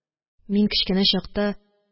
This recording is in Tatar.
Мин кечкенә чакта